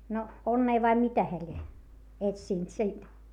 no onnea vai mitä hän lie etsinyt siitä